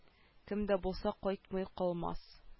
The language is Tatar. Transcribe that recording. Кем дә булса кайтмый калмас